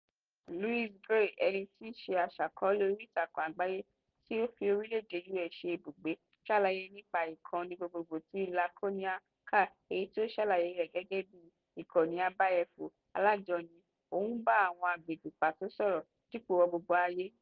Louis Gray, ẹni tí í ṣe aṣàkọ́ọ́lẹ̀ orí ìtàkùn àgbáyé tí ó fi orílẹ̀ èdè U.S ṣe ibùgbé, ṣàlàyé nípa ìkànnì gbogbogbò ti Laconia.ca, èyí tí ó ṣàlàyé rẹ̀ gẹ́gẹ́ bíi "ìkànnì abẹ́yẹfò alájọni" - ó ń bá àwọn agbègbè pàtó sọ̀rọ̀ dípò gbogbo ayé.